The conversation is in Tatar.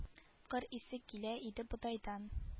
Кыр исе килә иде бодайдан